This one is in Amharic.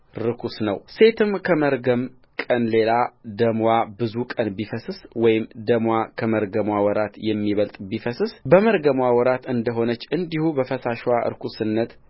ርኩስ ነውሴትም ከመርገም ቀን ሌላ ደምዋ ብዙ ቀን ቢፈስስ ወይም ደምዋ ከመርገምዋ ወራት የሚበልጥ ቢፈስስ በመርገምዋ ወራት እንደ ሆነች እንዲሁ በፈሳሽዋ ርኵስነት